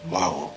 Waw.